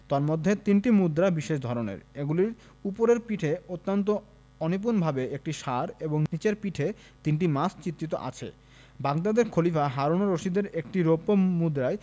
তন্মধ্যে তিনটি মুদ্রা বিশেষ ধরনের এগুলির উপরের পিঠে অত্যন্ত অনিপুণভাবে একটি ষাঁড় এবং নিচের পিঠে তিনটি মাছ চিত্রিত আছে বাগদাদের খলিফা হারুন অর রশিদের একটি রৌপ্য মুদ্রায়